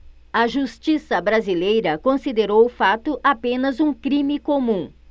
a justiça brasileira considerou o fato apenas um crime comum